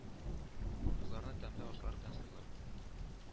Кызларны тәмле ашлар белән сыйлар